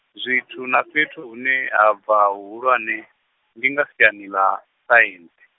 zwithu na fhethu hune ha bva huhulwane, ndi nga siani ḽa, saentsi.